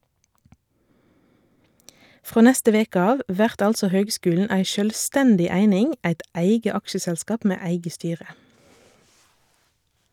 Frå neste veke av vert altså høgskulen ei sjølvstendig eining, eit eige aksjeselskap med eige styre.